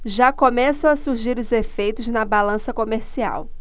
já começam a surgir os efeitos na balança comercial